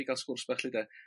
i ga'l sgwrs bach lly 'de?